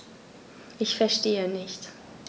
Ich verstehe nicht.